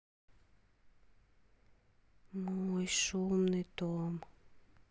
мой шумный том